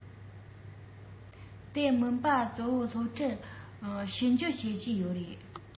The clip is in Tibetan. དེ མིན པ གཙོ བོ སློབ གྲྭར ཕྱི འབྱོར བྱེད ཀྱི ཡོད རེད